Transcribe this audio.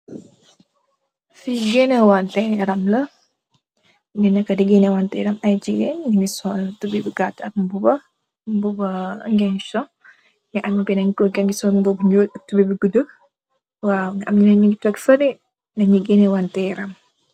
Fi kenewanteh yaram la yu neka di genewanteh yaram ay jigeen nyugi sol tubai bu gata mbuba gensu mugi am benen goor mogi sol mbuba bu nuul tubai bu gudu waw am am nyenen nyu gi tog sori nyugi ganewateh yaram.